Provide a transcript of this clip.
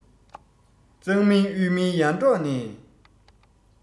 གཙང མིན དབུས མིན ཡར འབྲོག ནས